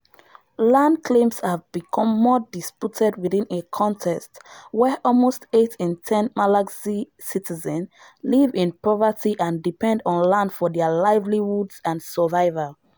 Land claims have become more disputed within a context where almost eight in 10 Malagasy citizens live in poverty and depend on land for their livelihoods and survival.